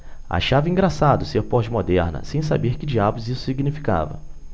achava engraçado ser pós-moderna sem saber que diabos isso significava